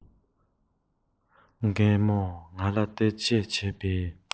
རྒད མོ ང ལ སྟེར ཆད བྱེད པའི